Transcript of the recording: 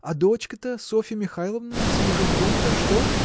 а дочка-то, Софья Михайловна, с муженьком-то, что?